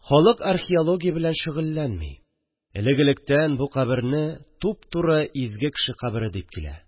Халык археология белән шөгыльләнми, элек-электәннән бу каберне туп-туры изге кеше кабере дип килә